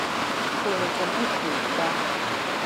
กลัวจะไม่ถูกรัก